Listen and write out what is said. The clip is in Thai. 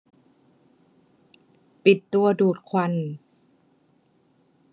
ปิดตัวดูดควัน